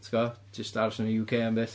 Ti gwbod, jyst aros yn y UK am byth.